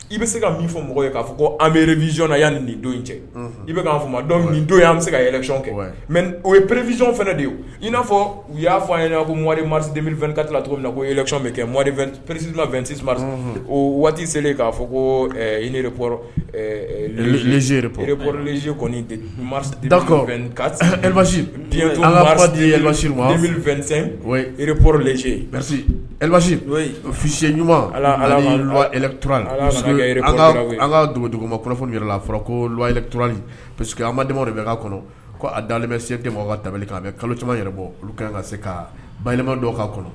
I bɛ se ka min fɔ mɔgɔ ye k'a fɔ ko anreizyɔn na y'a ni nin don cɛ i bɛ'a fɔ dɔn don y an bɛ se ka yɛlɛy kɛ mɛ o ye prizyɔn de ye i'afɔ u y'a fɔ a ɲɛna ko mari mariden mini2tila cogo min na koc bɛ kɛ presitiina2ru waati selen k'a fɔ kore zere ze tɛ dasenreporo zsi fisiyɛn ɲuman la an kadugu ma kunnafoni yɛrɛ fɔra ko lali p que de bɛ kɔnɔ a dalen bɛ sema ka dabali a bɛ kalo caman yɛrɛ bɔ olu ka se ka balima dɔ ka kɔnɔ